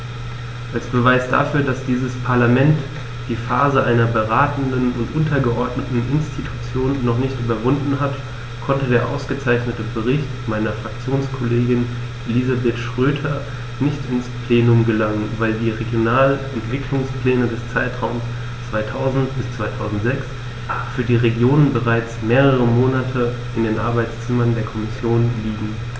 Als Beweis dafür, dass dieses Parlament die Phase einer beratenden und untergeordneten Institution noch nicht überwunden hat, konnte der ausgezeichnete Bericht meiner Fraktionskollegin Elisabeth Schroedter nicht ins Plenum gelangen, weil die Regionalentwicklungspläne des Zeitraums 2000-2006 für die Regionen bereits mehrere Monate in den Arbeitszimmern der Kommission liegen.